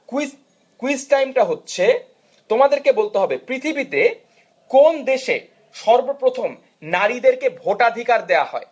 quiz quiz টাইমটা হচ্ছে তোমাদেরকে বলতে হবে পৃথিবীতে কোন দেশে সর্বপ্রথম নারীদেরকে ভোটাধিকার দেয়া হয়